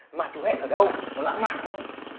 mà chú hẹn ở đâu có lãng mạn không